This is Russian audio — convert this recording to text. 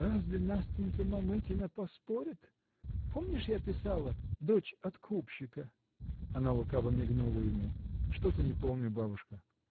разве Настенька Мамыкина поспорит: помнишь, я писала, дочь откупщика? Она лукаво мигнула ему. — Что-то не помню, бабушка.